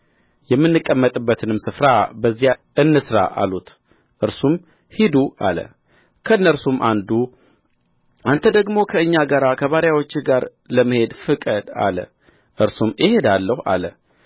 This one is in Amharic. የምንቀመጥበትንም ስፍራ በዚያ እንሥራ አሉት እርሱም ሂዱ አለ ከእነርሱም አንዱ አንተ ደግሞ ከእኛ ከባሪያዎችህ ጋር ለመሄድ ፍቀድ አለ እርሱም እሄዳለሁ አለ